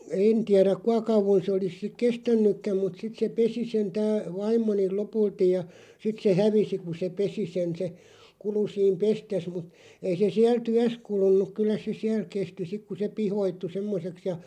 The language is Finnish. en tiedä kuinka kauan se olisi sitten kestänytkään mutta sitten se pesi sen tämä vaimoni lopulta ja sitten se hävisi kun se pesi sen se kului siinä pestessä mutta ei se siellä työssä kulunut kyllä se siellä kesti sitten kun se pihkoittui semmoiseksi ja